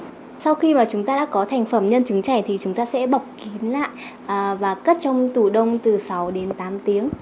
sau khi mà chúng ta đã có thành phẩm nhân trứng chảy thì chúng ta sẽ bọc kín lạị à và cất trong tủ đông từ sáu đến tám tiếng